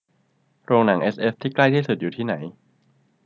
โรงหนังเอสเอฟที่ใกล้ที่สุดอยู่ที่ไหน